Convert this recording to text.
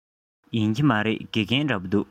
ཡིན གྱི མ རེད དགེ རྒན འདྲ པོ འདུག